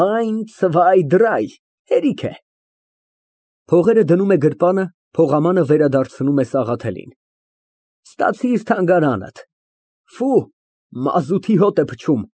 Այն, ցվայ, դրայ, հերիք է։ (Փողերը դնում է գրպանը, փողամանը վերադարձնում է Սաղաթելին) Ստացիր թանգարանդ, ֆի, մազութի հոտ է փչում։